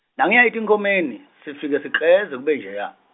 Nangiya etinkhomeni, sifike sikleze kube njeya.